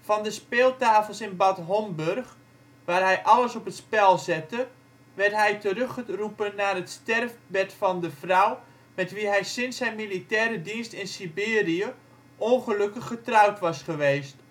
Van de speeltafels in Bad Homburg, waar hij alles op het spel zette, werd hij teruggeroepen naar het sterfbed van de vrouw met wie hij sinds zijn militaire dienst in Siberië ongelukkig getrouwd was geweest